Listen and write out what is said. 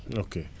ok